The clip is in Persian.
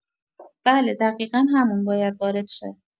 بله دقیقا همون باید وارد شه